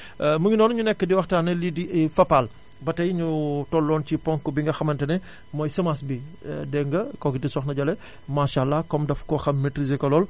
mu ngi noonu ñu nekk di waxtaane lii di Fapal ba tay ñu tolloon ci ponk bi nga xamante ne mooy semence bi dégg nga kooku di Soxna Jalle maasàllaa comme dafa ko xam maitrisé ko lool